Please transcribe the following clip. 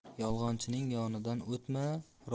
yolg'onchining yonidan o'tma